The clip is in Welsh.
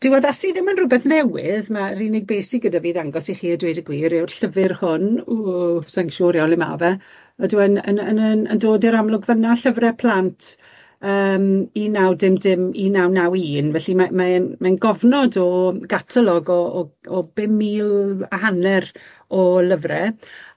Dyw addasu ddim yn rwbeth newydd, ma'r unig beth sy gyda fi i ddangos i chi a dweud y gwir yw'r llyfyr hwn, ww sai'n siŵr iawn le ma' fe ydyw e'n yn yn yn dod i'r amlwg fan 'na? Llyfre Plant yym un naw dim dim un naw naw un, felly mae mae e'n mae'n gofnod o gatalog o o o bum mil a hanner o lyfre.